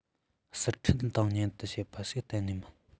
གསར འཕྲིན དང མཉམ དུ བྱས པ ཞིག གཏན ནས མིན